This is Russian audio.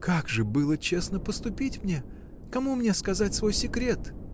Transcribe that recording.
— Как же было честно поступить мне? Кому мне сказать свой секрет?